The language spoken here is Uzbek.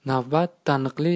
navbat taniqli